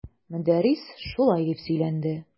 Мөдәррис шулай дип сөйләнде.